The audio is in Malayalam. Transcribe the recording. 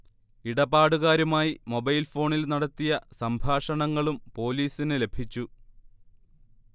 ഇടപാടുകാരുമായി മൊബൈൽഫോണിൽ നടത്തിയ സംഭാഷണങ്ങളും പോലീസിന് ലഭിച്ചു